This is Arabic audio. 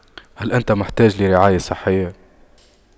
هل أنت محتاج لرعاية صحية